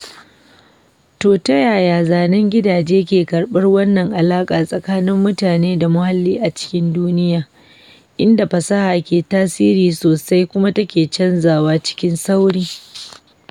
To, ta yaya zanen gidajen ke karɓar wannan alaƙa tsakanin mutane da muhalli a cikin duniya inda fasaha ke tasiri sosai kuma take canzawa cikin sauri?